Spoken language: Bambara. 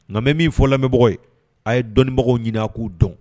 Nka mɛ min fɔ lamɛnbagaw ye a ye dɔnibagaw ɲini a k'u dɔn